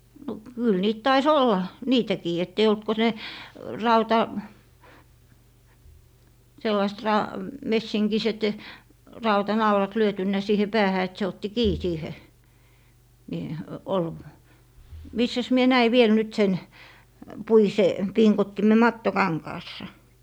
no kyllä niitä taisi olla niitäkin että ei ollut kuin ne - sellaiset - messinkiset rautanaulat lyöty siihen päähän että se otti kiinni siihen niin - missäs minä näin vielä nyt sen puisen pingottimen mattokankaassa